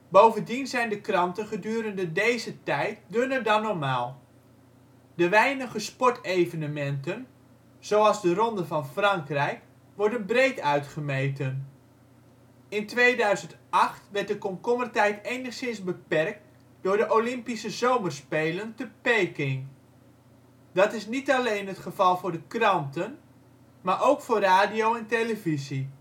Bovendien zijn de kranten gedurende deze tijd dunner dan normaal. De weinige sportevenementen, zoals de Ronde van Frankrijk, worden breed uitgemeten. In 2008 werd de komkommertijd enigszins beperkt door de Olympische Zomerspelen te Peking. Dat is niet alleen het geval voor de kranten, maar ook voor radio en televisie